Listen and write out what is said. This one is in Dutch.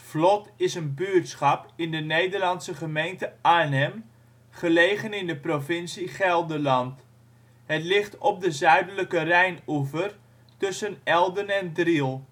Vlot is een buurtschap in de Nederlandse gemeente Arnhem, gelegen in de provincie Gelderland. Het ligt op de zuidelijk Rijnoever tussen Elden en Driel